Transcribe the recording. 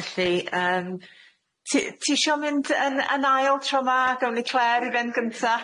Felly yym t- tisio mynd yn yn ail tro ma' a gawn ni Clare i fe'n gynta?